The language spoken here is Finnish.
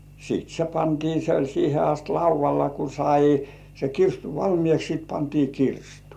sitten se pantiin se oli siihen asti laudalla kun sai se kirstu valmiiksi sitten pantiin kirstuun